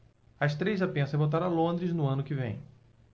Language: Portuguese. as três já pensam em voltar a londres no ano que vem